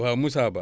waaw Moussa Ba